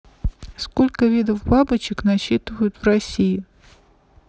сколько видов бабочек насчитывают в россии